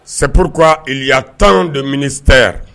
Sepurkura i tan don minisa yan